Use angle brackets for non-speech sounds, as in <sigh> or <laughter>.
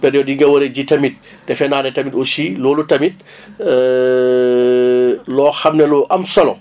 période yi nga war a ji tamit defe naa ne tamit aussi loolu tamit <breath> <hesitation> loo xam ne lu am solo